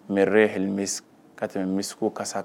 Mɛre ye ka tɛmɛ misi kasa